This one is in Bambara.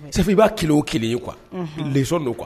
Safi i b'a kelen o kelen ye quoi unhun léçon do quoi